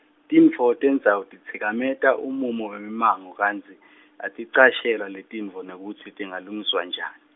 tintfo tendzawo titsikameta umumo wemimango kantsi, aticashelwa letintfo nekutsi tingalungiswa njani.